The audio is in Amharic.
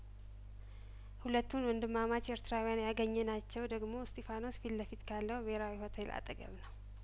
ሁለቱን ወንድማማች ኤርትራዊያን ያገኘ ናቸው ደግሞ እስጢፋኖስ ፊት ለፊት ካለው ብሄራዊ ሆቴል አጠገብ ነው